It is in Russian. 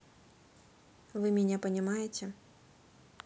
вы меня понимаете